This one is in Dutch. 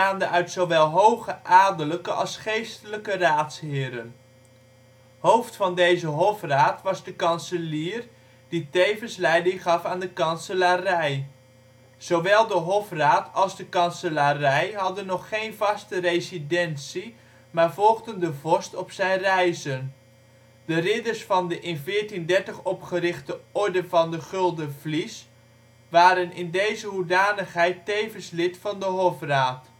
uit hoge adellijke als geestelijke raadsheren. Hoofd van deze hofraad was de kanselier, die tevens leiding gaf aan de kanselarij. Zowel de hofraad als de kanselarij hadden nog geen vaste residentie, maar volgden de vorst op zijn reizen. De ridders van de in 1430 opgerichte Orde van het Gulden Vlies waren in deze hoedanigheid eveneens lid van de hofraad